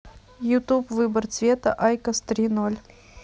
ютуб выбор цвета айкос три ноль